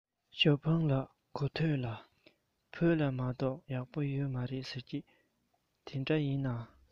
ཞའོ ཧྥུང ལགས གོ ཐོས ལ བོད ལྗོངས མ གཏོགས གཡག ཡོད མ རེད ཟེར གྱིས དེ འདྲ ཡིན ན